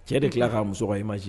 Cɛ de tila k kaa muso ka i maji